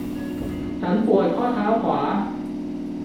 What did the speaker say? ฉันปวดข้อเท้าขวา